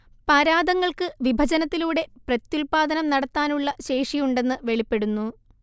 പരാദങ്ങൾക്ക് വിഭജനത്തിലൂടെ പ്രത്യുത്പാദനം നടത്താനുള്ള ശേഷിയുണ്ടെന്ന് വെളിപ്പെടുന്നു